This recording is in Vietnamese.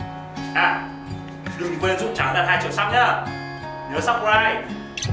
à đừng quên giúp trắng đạt hai triệu sắp nhá nhớ sắp roai